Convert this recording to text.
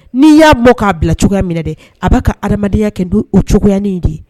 N'i y'a mɔ k'a bila cogoya minɛ dɛ a b'a ka adamadenyaya kɛ don o cogoyayain de ye